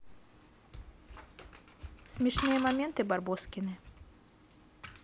смешные моменты барбоскины